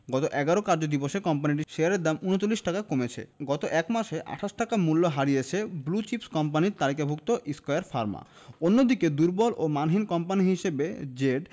গত ১১ কার্যদিবসে কোম্পানিটির শেয়ারের দাম ৩৯ টাকা কমেছে গত এক মাসে ২৮ টাকা মূল্য হারিয়েছে ব্লু চিপস কোম্পানির তালিকাভুক্ত স্কয়ার ফার্মা অন্যদিকে দুর্বল ও মানহীন কোম্পানি হিসেবে জেড